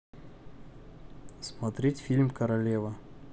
смотреть фильм королева